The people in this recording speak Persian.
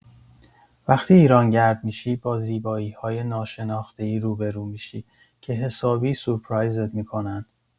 وقتی ایرانگرد می‌شی، با زیبایی‌های ناشناخته‌ای روبرو می‌شی که حسابی سورپرایزت می‌کنن.